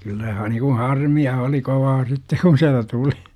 kyllä - niin kuin harmia oli kovaa sitten kun sieltä tuli